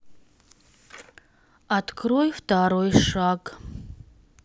открой второй шаг